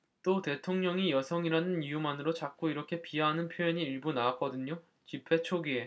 또 대통령이 여성이라는 이유만으로 자꾸 이렇게 비하하는 표현이 일부 나왔거든요 집회 초기에